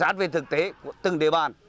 sát với thực tế của từng địa bàn